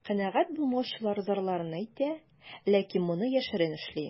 Канәгать булмаучылар зарларын әйтә, ләкин моны яшерен эшли.